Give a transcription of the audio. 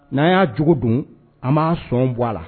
Nan ya jogo don an ba sɔn bɔ a la.